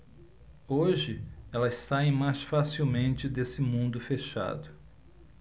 hoje elas saem mais facilmente desse mundo fechado